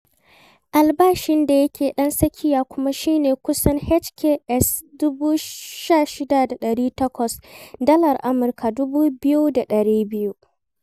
Albashin da yake ɗan tsakiya kuma shi ne kusan HK$16,800 (Dalar Amurka 2,200).